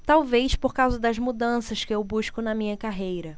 talvez por causa das mudanças que eu busco na minha carreira